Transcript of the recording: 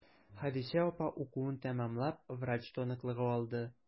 Хәдичә апа укуын тәмамлап, врач таныклыгы алды.